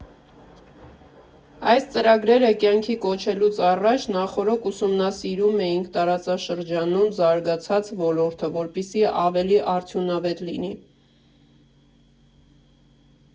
Այս ծրագրերը կյանքի կոչելուց առաջ նախօրոք ուսումնասիրում էինք տարածաշրջանում զարգացած ոլորտը, որպեսզի ավելի արդյունավետ լինի։